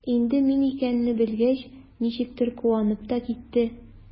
Инде мин икәнне белгәч, ничектер куанып та китте.